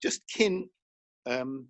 jyst cyn yym